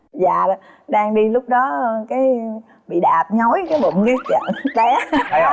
dạ đang đi lúc đó ớ cái bị đạp nhói cái bụng cái chạy té